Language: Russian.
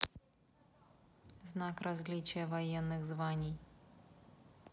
знак различия военных званий